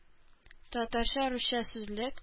Татарча-русча сүзлек